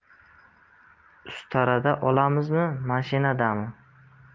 ustarada olamizmi mashinadami